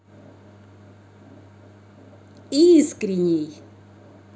искренний